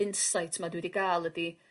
insight ma' dwi 'di ga'l ydi